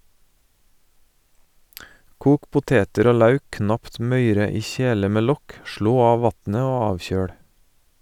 Kok poteter og lauk knapt møyre i kjele med lokk, slå av vatnet og avkjøl.